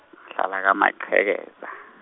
ngihlala kaMaqhekeza.